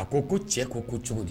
A ko ko cɛ ko: ko cogo di?